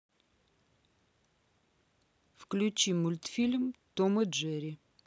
включи мультфильм том и джерри